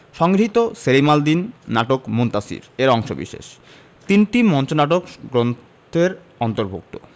সংগৃহীত সেলিম আল দীন নাটক মুনতাসীর এর অংশবিশেষ তিনটি মঞ্চনাটক গ্রন্থের অন্তর্ভুক্ত